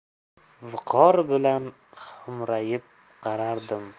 viqor bilan xo'mrayib qarardim